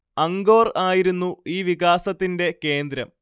Angkor ആയിരുന്നു ഈ വികാസത്തിന്റെ കേന്ദ്രം